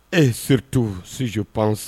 Ee seritu studio pan